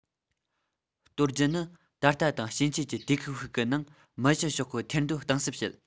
གཏོར རྒྱུ ནི ད ལྟ དང ཕྱིན ཆད ཀྱི དུས སྐབས ཤིག གི ནང མི བཞི ཤོག ཁག ཐེར འདོན གཏིང ཟབ བྱེད